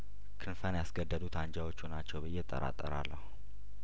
ክንፈን ያስገደሉት አንጃዎቹ ናቸው ብዬ እጠራጠራለሁ